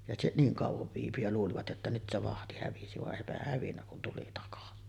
ja se niin kauan viipyi ja luulivat jotta nyt se vahti hävisi vaan eipähän hävinnyt kun tuli takaisin